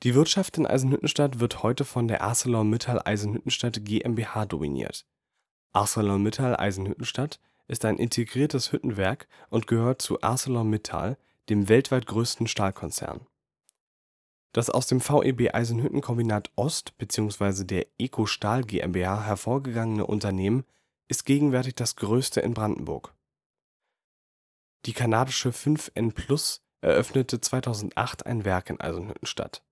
Wirtschaft in Eisenhüttenstadt wird heute von der ArcelorMittal Eisenhüttenstadt GmbH dominiert. ArcelorMittal Eisenhüttenstadt ist ein integriertes Hüttenwerk und gehört zu ArcelorMittal, dem weltweit größten Stahlkonzern. Das aus dem VEB Eisenhüttenkombinat Ost bzw. der EKO Stahl GmbH hervorgegangene Unternehmen ist gegenwärtig das größte in Brandenburg. Die kanadische 5N Plus eröffnete 2008 ein Werk in Eisenhüttenstadt